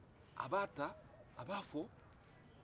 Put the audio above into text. a b'a ta a b'a fɔ